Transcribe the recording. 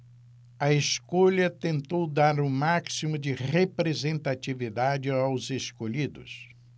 a escolha tentou dar o máximo de representatividade aos escolhidos